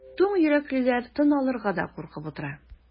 Туң йөрәклеләр тын алырга да куркып утыра.